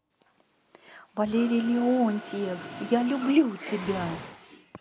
валерий леонтьев я люблю тебя